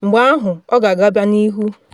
Mgbe ahụ ọ ga-agaba n’ihu.